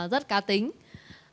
rất cá tính